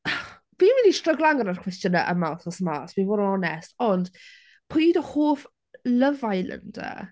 Fi'n mynd i stryglan gyda'r cwestiynau yma wythnos 'ma, os dwi'n bod yn onest ond pwy yw dy hoff Love Islander?